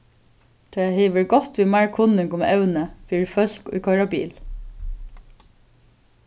tað hevði verið gott við meir kunning um evnið fyri fólk ið koyra bil